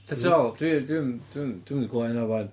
Be ti'n feddwl? Dwi dwi'm dwi'm dwi'm 'di clywed hynna o'r blaen.